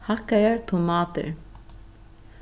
hakkaðar tomatir